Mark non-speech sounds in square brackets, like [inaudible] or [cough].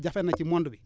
jafe na ci [noise] monde bi